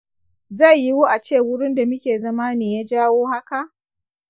zai yiwu ace wurin da muke zama ne ya jawo haka?